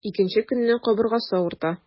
Икенче көнне кабыргасы авырта.